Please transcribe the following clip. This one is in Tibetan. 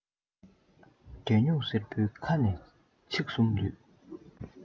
རྒྱ སྨྱུག སེར པོའི ཁ ནས ཚིག གསུམ ལུས